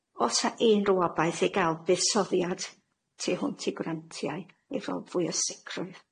O's unrhyw obaith i ga'l fuddsoddiad tu hwnt i grantiau efo fwy o sicrwydd?